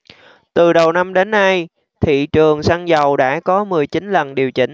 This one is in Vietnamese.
từ đầu năm đến nay thị trường xăng dầu đã có mười chín lần điều chỉnh